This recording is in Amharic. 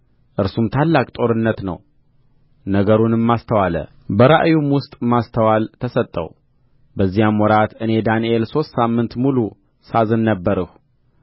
እርሱም ታላቅ ጦርነት ነው ነገሩንም አስተዋለ በራእዩም ውስጥ ማስተዋል ተሰጠው በዚያም ወራት እኔ ዳንኤል ሦስት ሳምንት ሙሉ ሳዝን ነበርሁ